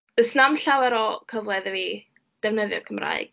Does na'm llawer o cyfle idda fi defnyddio Cymraeg.